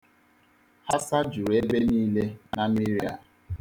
Asa juru ebe niile na mmiri a.